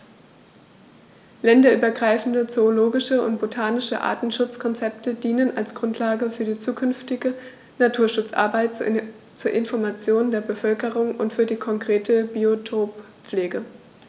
Länderübergreifende zoologische und botanische Artenschutzkonzepte dienen als Grundlage für die zukünftige Naturschutzarbeit, zur Information der Bevölkerung und für die konkrete Biotoppflege.